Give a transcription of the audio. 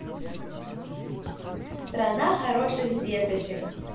страна хороших деточек